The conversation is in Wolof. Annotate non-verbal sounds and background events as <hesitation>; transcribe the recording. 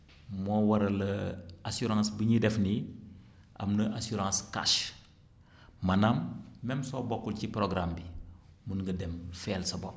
moo waral <hesitation> asurance bi ñuy def nii am na assurance cash maanaam même soo bokkul ci programme bi mën nga dem fayal sa bopp